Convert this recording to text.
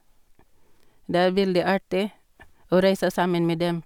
Det er veldig artig å reise sammen med dem.